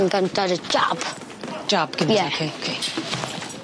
Yn gynta dy- jab. Jab gynta. Ie. 'k ocê.